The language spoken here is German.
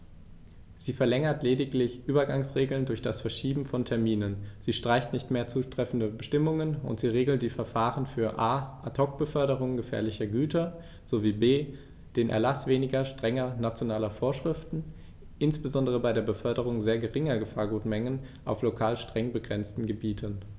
Sie verlängert lediglich Übergangsregeln durch das Verschieben von Terminen, sie streicht nicht mehr zutreffende Bestimmungen, und sie regelt die Verfahren für a) Ad hoc-Beförderungen gefährlicher Güter sowie b) den Erlaß weniger strenger nationaler Vorschriften, insbesondere bei der Beförderung sehr geringer Gefahrgutmengen auf lokal streng begrenzten Gebieten.